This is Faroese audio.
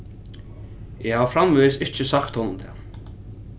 eg havi framvegis ikki sagt honum tað